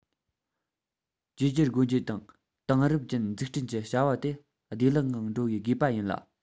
བཅོས སྒྱུར སྒོ འབྱེད དང དེང རབས ཅན འཛུགས སྐྲུན གྱི བྱ བ དེ བདེ ལེགས ངང འགྲོ བའི དགོས པ ཡིན ལ